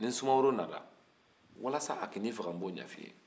ni sumaworo nana walas'a ka n'i faga n b'o ɲɛf'i ye